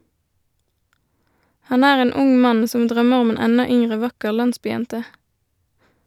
Han er en ung mann som drømmer om en enda yngre, vakker landsbyjente.